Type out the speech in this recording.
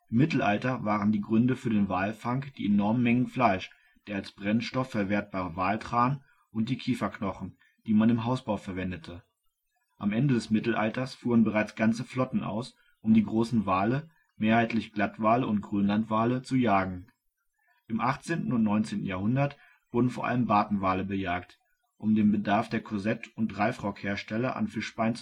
Mittelalter waren die Gründe für den Walfang die enormen Mengen Fleisch, der als Brennstoff verwertbare Waltran und die Kieferknochen, die man im Hausbau verwendete. Am Ende des Mittelalters fuhren bereits ganze Flotten aus, um die großen Wale, mehrheitlich Glattwale und Grönlandwale, zu jagen. Im 18. und 19. Jahrhundert wurden vor allem Bartenwale bejagt, um den Bedarf der Korsett - und Reifrockhersteller an Fischbein